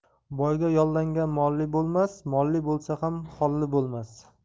boyga yollangan molli bo'lmas molli bo'lsa ham holli bo'lmas